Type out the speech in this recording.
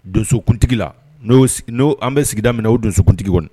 Donsokuntigi la n'o an bɛ sigida minɛ o donsokuntigi kɔni